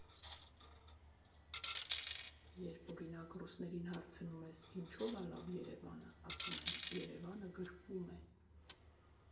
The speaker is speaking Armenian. Երբ, օրինակ, ռուսներին հարցնում ես՝ ինչո՞վ ա լավ Երևանը, ասում են՝ «Երևանը գրկում է»։